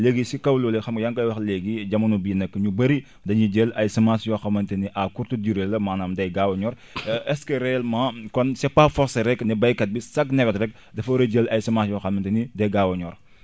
léegi si kaw loolee xam nga yaa ngi koy wax léegi jamono bii nag ñu bëri dañuy jël ay semences yoo xamante ni à courte durée la maanaam day gaaw a ñor est ce que réellement kon c' est pas forcé rek ne béykat bi chaque nawet rek dafa war a jël ay semences yoo xam ne dañuy day gaaw a ñor